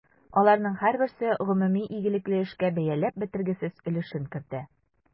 Аларның һәрберсе гомуми игелекле эшкә бәяләп бетергесез өлешен кертә.